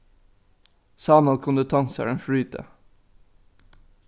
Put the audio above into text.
sámal kundi tonkt sær ein frídag